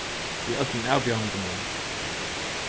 við øllum avbjóðingunum